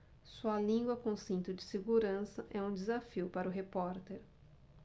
sua língua com cinto de segurança é um desafio para o repórter